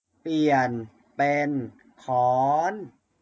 เปลี่ยนเป็นค้อน